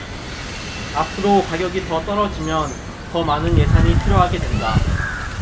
앞으로 가격이 더 떨어지면 더 많은 예산이 필요하게 된다